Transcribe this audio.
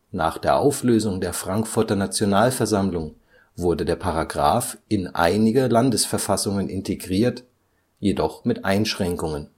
Nach der Auflösung der Frankfurter Nationalversammlung wurde der Paragraph in einige Landesverfassungen integriert, jedoch mit Einschränkungen